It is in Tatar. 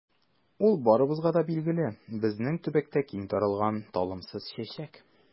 Ул барыбызга да билгеле, безнең төбәктә киң таралган талымсыз чәчәк.